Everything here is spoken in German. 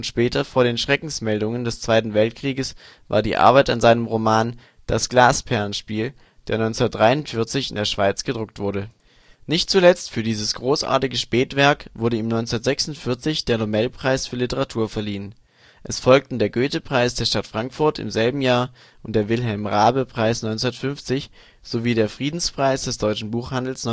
später vor den Schreckensmeldungen des Zweiten Weltkrieges war die Arbeit an seinem Roman " Das Glasperlenspiel ", der 1943 in der Schweiz gedruckt wurde. Nicht zuletzt für dieses großartige Spätwerk wurde ihm 1946 der Nobelpreis für Literatur verliehen. Es folgten der Goethepreis der Stadt Frankfurt im selben Jahr und der Wilhelm-Raabe-Preis 1950 sowie der Friedenspreis des Deutschen Buchhandels 1955